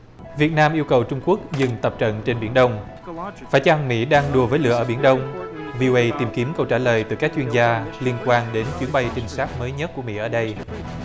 việt nam yêu cầu trung quốc dừng tập trận trên biển đông phải chăng mỹ đang đùa với lửa ở biển đông vi âu ây tìm kiếm câu trả lời từ các chuyên gia liên quan đến chuyến bay trinh sát mới nhất của mỹ ở đây